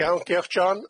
Iawn diolch John.